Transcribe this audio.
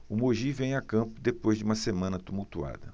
o mogi vem a campo depois de uma semana tumultuada